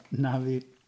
Na fi.